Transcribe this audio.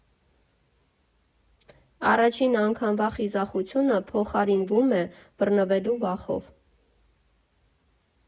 Առաջին անգամվա խիզախությունը փոխարինվում է բռնվելու վախով։